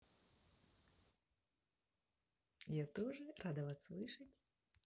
я тоже вас рада слышать